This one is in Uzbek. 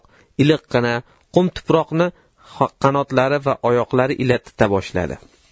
iliqqina qum tuproqni qanotlari va oyoqlari ila tita boshladi